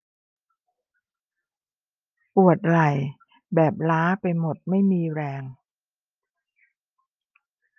ปวดไหล่แบบล้าไปหมดไม่มีแรง